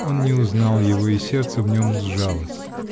Он не узнал его, и сердце в нем сжалось.